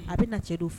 A bɛ na cɛ don fɛ